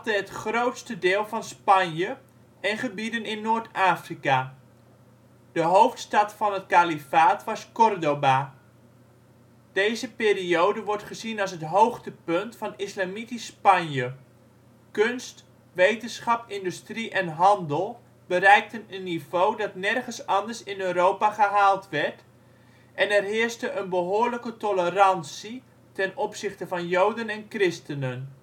het grootste deel van Spanje, en gebieden in Noord-Afrika. De hoofdstad van het kalifaat was Córdoba. Deze periode wordt gezien als het hoogtepunt van islamitisch Spanje. Kunst, wetenschap, industrie en handel bereikten een niveau dat nergens anders in Europa gehaald werd, en er heerste een behoorlijke tolerantie ten opzichte van Joden en christenen